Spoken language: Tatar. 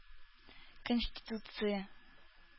Конституция